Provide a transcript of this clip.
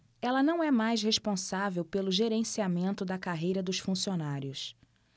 ela não é mais responsável pelo gerenciamento da carreira dos funcionários